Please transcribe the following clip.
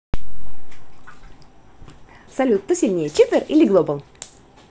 салют кто сильнее читер или global